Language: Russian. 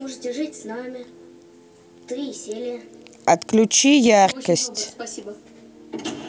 отключи яркость